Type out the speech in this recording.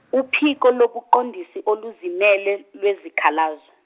uphiko lobuqondisi oluzimele lwezikhalazo.